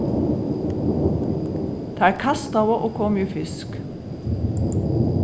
teir kastaðu og komu í fisk